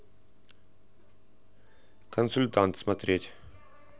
консультант смотреть